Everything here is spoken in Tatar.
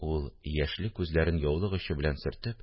Ул, яшьле күзләрен яулык очы белән сөртеп